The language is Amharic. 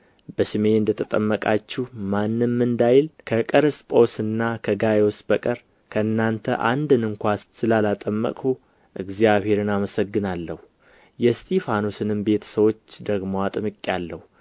በስሜ እንደ ተጠመቃችሁ ማንም እንዳይል ከቀርስጶስና ከጋይዮስ በቀር ከእናንተ አንድን እንኳ ስላላጠመቅሁ እግዚአብሔርን አመሰግናለሁ የእስጢፋኖስንም ቤተ ሰዎች ደግሞ አጥምቄአለሁ